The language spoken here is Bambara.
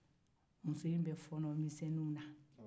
muso in bɛ fɔɔnɔ misɛnniw na